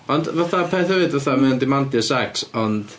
Ond fatha peth hefyd... Fatha ma' o'n demandio sex ond...